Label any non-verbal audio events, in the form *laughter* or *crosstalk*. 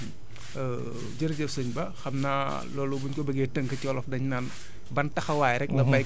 *hesitation* *hesitation* *hesitation* jërëjëf sëñ Ba xam naa loolu bu ñu ko bëggee tënk ci olof dañu naan ban taxawaay rek